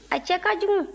a cɛ ka jugu